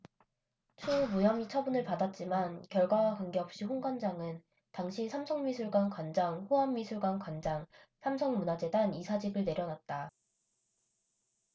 추후 무혐의 처분을 받았지만 결과와 관계없이 홍 관장은 당시 삼성미술관 관장 호암미술관 관장 삼성문화재단 이사직을 내려놨다